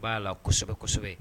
B'a la kosɛbɛ kosɛbɛ